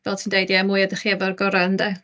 Fel ti'n deud ie "mwya dach chi efo'r gorau ynde"?